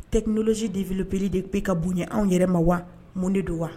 Tɛinilolɔsi de fielepereli de pee ka bonya anw yɛrɛ ma wa mun de don wa